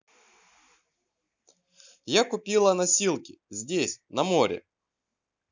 я купила носилки здесь на море